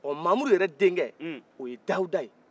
mamudu yɛrɛ denkɛ o ye dawuda ye